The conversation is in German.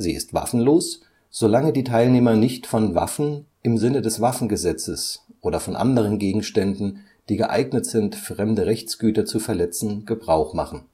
ist waffenlos, solange die Teilnehmer nicht von Waffen im Sinne des Waffengesetzes oder von anderen Gegenständen, die geeignet sind, fremde Rechtsgüter zu verletzen, Gebrauch machen